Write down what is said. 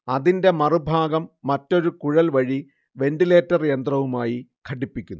അതിന്റെ മറുഭാഗം മറ്റൊരു കുഴൽ വഴി വെന്റിലേറ്റർ യന്ത്രവുമായി ഘടിപ്പിക്കുന്നു